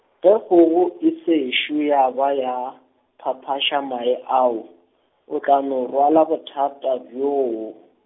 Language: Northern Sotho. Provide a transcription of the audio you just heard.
ge kgogo e sešo ya ba ya, phaphaša mae ao, o tla no rwala bothata bjoo.